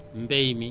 moo gën a yomb